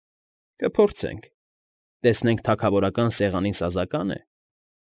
Կփորձենք, տեսնենք թագավորական սեղանին սազակա՞ն է։